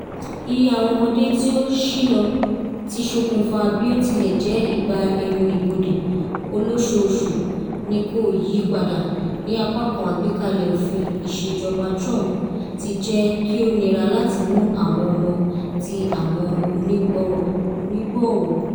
Iye awọn ọmọde ti o ṣilọ ti ṣokunfa bi o tilẹ jẹ igba ẹnu ibode oloṣooṣu ni ko yii pada, ni apakan agbekalẹ ofin iṣejọba Trump t jẹ ki o nira lati mu awọn ọmọ ti awon onigbọwọ.